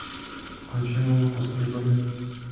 включи музыку с клипами